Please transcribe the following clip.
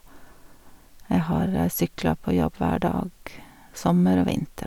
Jeg har sykla på jobb hver dag, sommer og vinter.